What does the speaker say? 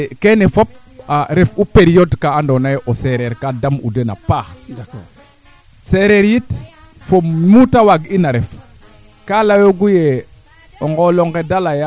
bo xa qola xaaga a mbaaga sax o njirño rel lakas kam ndiing ne iyo o ndeeta ngaan koy bo bugoona jang a arake ando naye manaam kaade teela mboor